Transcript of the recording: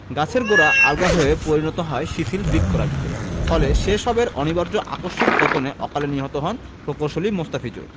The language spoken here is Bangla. গাছের গোড়া আলগা হয়ে পরিণত হয় শিথিল বৃক্ষরাজিতে ফলে সে সবের অনিবার্য আকস্মিক পতনে অকালে নিহত হন প্রকৌশলী মোস্তাফিজুর